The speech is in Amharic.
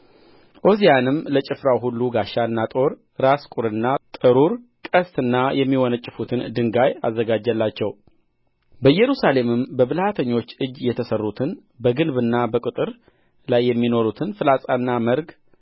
ዖዝያንም ለጭፍራው ሁሉ ጋሻና ጦር ራስ ቍርና ጥሩር ቀስትና የሚወነጭፉትን ድንጋይ አዘጋጀላቸው በኢየሩሳሌምም በብልሃተኞች እጅ የተሠሩትን በግንብና በቅጥር ላይ የሚኖሩትን ፍላጻና መርግ